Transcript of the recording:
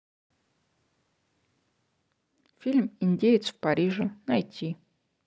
фильм индеец в париже найти